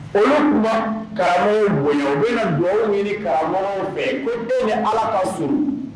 O tuma karamɔgɔ bonya bɛ dugaw ɲini karamɔgɔw fɛ ko den bɛ ala ka sunurun